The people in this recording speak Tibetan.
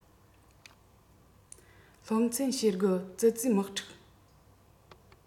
སློབ ཚན ཞེ དགུ ཙི ཙིའི དམག འཁྲུག